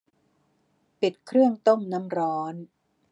ปิดเครื่องต้มน้ำร้อน